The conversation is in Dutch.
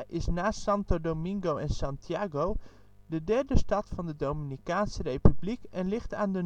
is na Santo Domingo en Santiago de derde stad van de Dominicaanse Republiek en ligt aan de